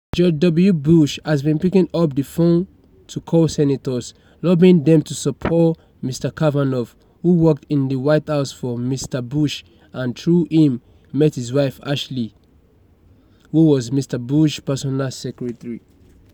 George W. Bush has been picking up the phone to call Senators, lobbying them to support Mr Kavanaugh, who worked in the White House for Mr Bush and through him met his wife Ashley, who was Mr Bush's personal secretary.